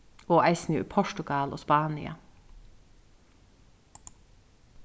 og eisini í portugal og spania